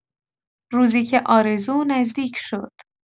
روزی که آرزو نزدیک شد.